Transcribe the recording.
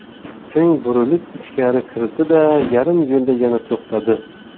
so'ng burilib ichkari kirdi da yarim yo'lda yana to'xtadi